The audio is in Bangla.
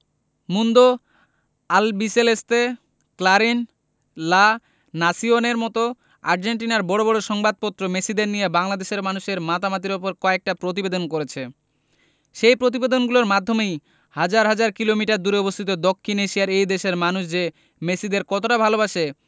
মুন্দো আলবিসেলেস্তে ক্লারিন লা নাসিওনে র মতো আর্জেন্টিনার বড় বড় সংবাদপত্র মেসিদের নিয়ে বাংলাদেশের মানুষের মাতামাতির ওপর কয়েকটা প্রতিবেদন করেছে সেই প্রতিবেদনগুলোর মাধ্যমেই হাজার হাজার কিলোমিটার দূরে অবস্থিত দক্ষিণ এশিয়ার এই দেশের মানুষ যে মেসিদের কতটা ভালোবাসে